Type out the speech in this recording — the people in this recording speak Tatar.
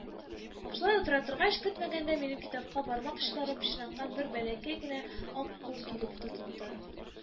Шулай утыра торгач, көтмәгәндә минем китапка бармак очлары пычранган бер бәләкәй генә ак кул килеп тотынды